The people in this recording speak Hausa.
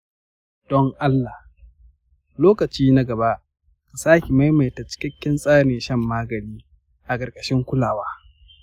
don allah, lokaci na gaba ka sake maimaita cikakken tsarin shan maganin a ƙarƙashin kulawa.